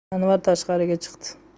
anvar tashqariga chiqdi